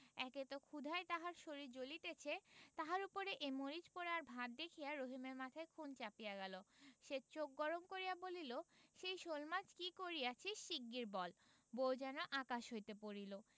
একে তো ক্ষুধায় তাহার শরীর জ্বলিতেছে তাহার উপর এই মরিচ পোড়া আর ভাত দেখিয়া রহিমের মাথায় খুন চাপিয়া গেল সে চোখ গরম করিয়া বলিল সেই শোলমাছ কি করিয়াছি শীগগীর বল বউ যেন আকাশ হইতে পড়িল